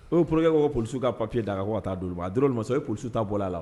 O ye pur que ka polisiw ka papiye da ka waa taa donba a dr' ma ye p kulu ta bɔ a la